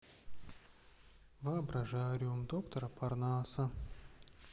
воображариум доктора парнаса